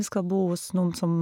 Vi skal bo hos noen som...